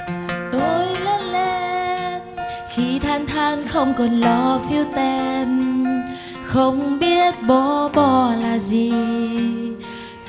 tôi lớn lên khi tháng tháng không còn lo phiếu tem không biết bó bo là gì